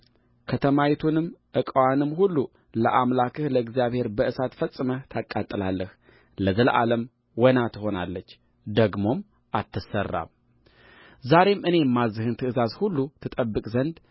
ከተማይቱንም ዕቃዋንም ሁሉ ለአምላክህ ለእግዚአብሔር በእሳት ፈጽመህ ታቃጥላለህ ለዘላለምም ወና ትሆናለች ደግሞም አትሠራም ዛሬም እኔ የማዝዝህን ትእዛዝ ሁሉ ትጠብቅ ዘንድ